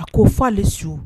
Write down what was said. A ko fɔ su